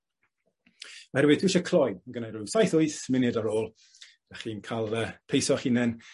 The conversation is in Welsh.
Herwydd dwi isie cloi ma' genna' i ryw saith wyth munud ar ôl dach chi'n ca'l fy paisoch hunen